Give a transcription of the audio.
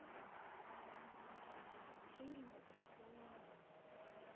фильмы про зону